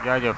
jaajëf